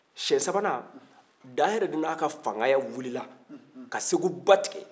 siɲɛ sabanan da yɛrɛ de n'a ka faamaya wulila ka segu ba tigɛ